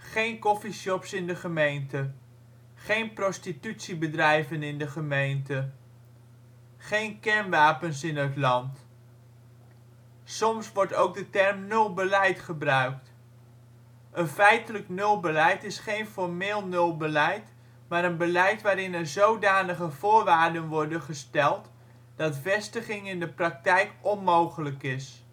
geen coffeeshops in de gemeente geen prostitutiebedrijven in de gemeente (zie Wet regulering prostitutie en bestrijding misstanden seksbranche) geen kernwapens in het land Soms wordt ook de term nulbeleid gebruikt. Een feitelijk nulbeleid is geen formeel nulbeleid maar een beleid waarbij er zodanige voorwaarden worden gesteld dat vestiging in de praktijk onmogelijk is